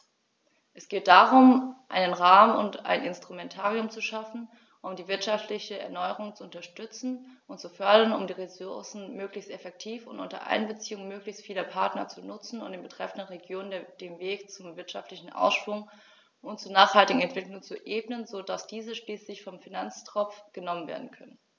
Es geht darum, einen Rahmen und ein Instrumentarium zu schaffen, um die wirtschaftliche Erneuerung zu unterstützen und zu fördern, um die Ressourcen möglichst effektiv und unter Einbeziehung möglichst vieler Partner zu nutzen und den betreffenden Regionen den Weg zum wirtschaftlichen Aufschwung und zur nachhaltigen Entwicklung zu ebnen, so dass diese schließlich vom Finanztropf genommen werden können.